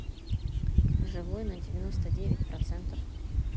живой на девяносто девять процентов